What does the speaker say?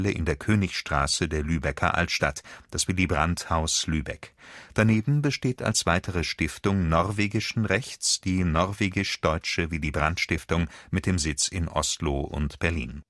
in der Königstraße der Lübecker Altstadt, das Willy-Brandt-Haus Lübeck. Daneben besteht als weitere Stiftung norwegischen Rechts die Norwegisch-Deutsche Willy-Brandt Stiftung mit dem Sitz in Oslo und Berlin